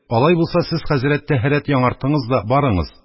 Алай булса сез, хәзрәт, тәһарәт яңартыңыз да барыңыз.